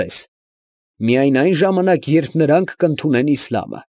Ձեզ, միայն այն ժամանակ, երբ նրանք կընդունեն Իսլամը։